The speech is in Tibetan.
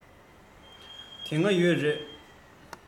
དེ སྔ ཡོད རེད